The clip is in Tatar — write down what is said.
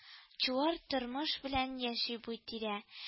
Чуар тормыш белән яши бу тирә